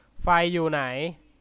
ไฟอยู่ไหน